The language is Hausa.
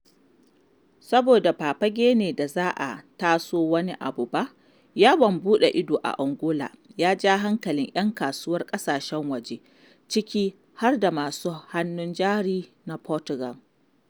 Saboda ba fage ne da za a tatso wani abu ba, yawon buɗe ido a Angola ya ja hankalin 'yan kasuwar ƙasashen waje, ciki har da masu sa hannun jari na Portugual.